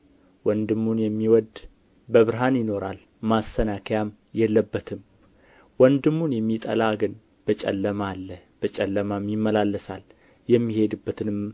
ወንድሙንም የሚወድ በብርሃን ይኖራል ማሰናከያም የለበትም ወንድሙን የሚጠላ ግን በጨለማ አለ በጨለማም ይመላለሳል የሚሄድበትንም